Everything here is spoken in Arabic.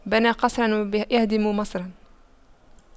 يبني قصراً ويهدم مصراً